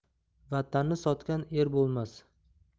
vatanni sotgan er bo'lmas